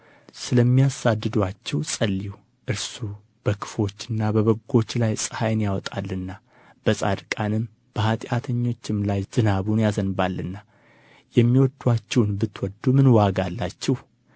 ስለሚያሳድዱአችሁም ጸልዩ እርሱ በክፎዎችና በበጎዎች ላይ ፀሐይን ያወጣልና በጻድቃንና በኃጢአተኞችም ላይ ዝናቡን ያዘንባልና የሚወዱአችሁን ብትወዱ ምን ዋጋ አላችሁ